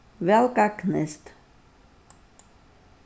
væl gagnist